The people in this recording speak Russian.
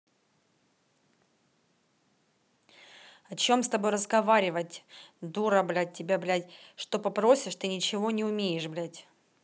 о чем с тобой разговаривать дура блять тебя блядь что попросишь ты ничего не умеешь блядь